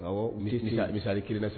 Miiri a bɛri kiirida sa